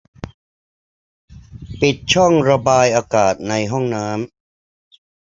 ปิดช่องระบายอากาศในห้องน้ำ